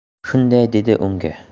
shunday dedi unga